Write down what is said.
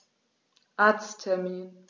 Arzttermin